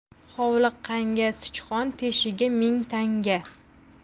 hovliqqanga sichqon teshigi ming tangga